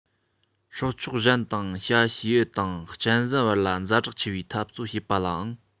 སྲོག ཆགས གཞན དང བྱ བྱེའུ དང གཅན གཟན བར ལ ཛ དྲག ཆེ བའི འཐབ རྩོད བྱས པ ལ ཨང